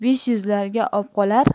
besh yuzlarga obqolar